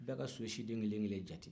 bɛɛ ka so siden kelen-kelen jate